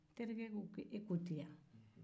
terikɛ ko ko e ko ten